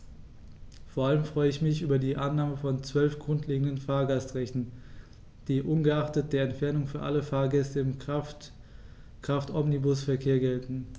Vor allem freue ich mich über die Annahme von 12 grundlegenden Fahrgastrechten, die ungeachtet der Entfernung für alle Fahrgäste im Kraftomnibusverkehr gelten.